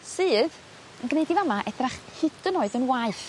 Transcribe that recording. sydd yn gneud i fa'ma edrach hyd yn oed yn waeth.